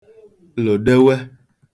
lòdewe